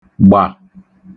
gbà